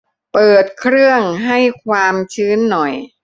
เปิดเครื่องให้ความชื้นหน่อย